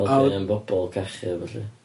Helpu hen bobol cachu a ballu?